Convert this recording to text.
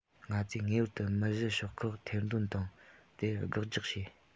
ང ཚོས ངེས པར དུ མི བཞི ཤོག ཁག ཐེར འདོན དང དེར དགག རྒྱག བྱེད